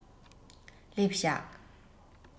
སླེབས བཞག